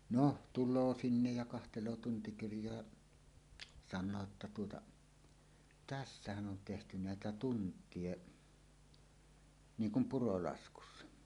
no tulee sinne ja katselee tuntikirjoja sanoo että että tuota tässähän on tehty näitä tunteja niin kuin purolaskussa